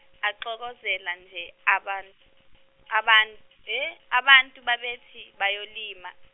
axokozela nje aban- aban- he, abantu babethi bayolima.